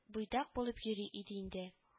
Буйдак булып йөри иде инде